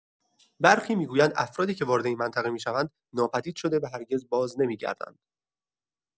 برخی می‌گویند افرادی که وارد این منطقه می‌شوند، ناپدید شده و هرگز بازنمی‌گردند.